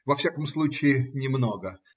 Во всяком случае, немного.